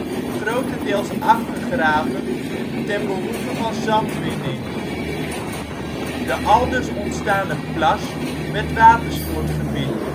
grotendeels afgegraven ten behoeve van zandwinning. De aldus ontstane plas werd watersportgebied